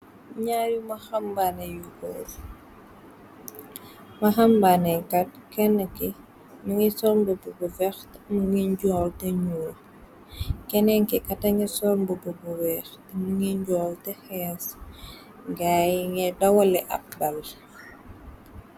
Nyaaru waxambanne yu goor. Waxambanne kat kenn ni mungi sol mboob bu veext muñga njool te ñuul. Kennki katam sol mbubu bu weex te nu nga njool te xees gaayi nga dawale ab dal.